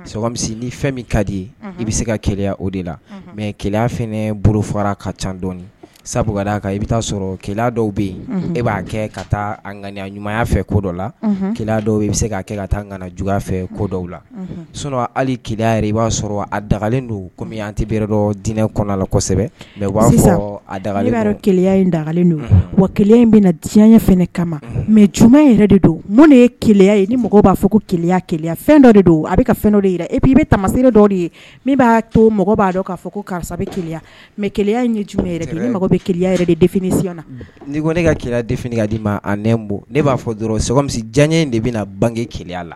Mili fɛn min ka di ye i bɛ se ka ke o de la mɛ keya burufara ka cadɔi sabula kan i bɛ'a sɔrɔ ke dɔw bɛ yen e b'a kɛ ka taa an ŋɲayan ɲumanya fɛ ko dɔ la ke dɔw bɛ se ka' kɛ ka taa ŋana juguya fɛ ko dɔ la so hali ke yɛrɛ i b'a sɔrɔ a dagalen don komi tɛ bere dɔ dinɛ kɔnɔla kosɛbɛ mɛ keya in dagalen don wa ke in bɛna na di kama mɛ j yɛrɛ de don n ye keya ye ni mɔgɔ b'a fɔ ko keya keya dɔ de don a bɛ fɛn dɔ de e' i bɛ tamasi dɔw de ye min b'a to mɔgɔ b'a dɔn'a fɔ ko karisa keya mɛ keya ye j mɔgɔ keya yɛrɛ de desiy na ni ko ne ka de d ma ne b'a fɔ jɔ in de bɛna bangeke keya la